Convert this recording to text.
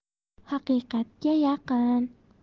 haqiqatga yaqin